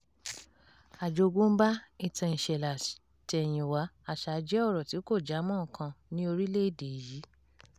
Àjogúnbá , ìtàn-ìṣẹ̀lẹ̀-àtẹ̀yìnwá, àṣá jẹ́ ọ̀rọ̀ tí kò já mọ́ nǹkan ní orílẹ̀-èdè yìí!